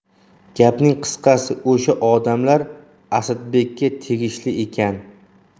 gapning qisqasi o'sha odamlar asadbekka tegishli ekan